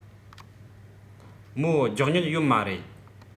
མོ རྒྱག མྱོད ཡོད མ རེད